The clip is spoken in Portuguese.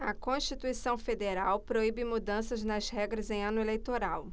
a constituição federal proíbe mudanças nas regras em ano eleitoral